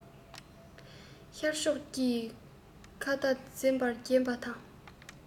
ཤར ཕྱོགས ཀྱི མཁའ མཐའ མཛེས པར བརྒྱན པ དང